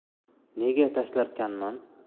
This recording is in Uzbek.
nega tashlarkanman